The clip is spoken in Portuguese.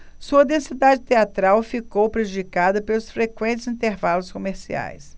sua densidade teatral ficou prejudicada pelos frequentes intervalos comerciais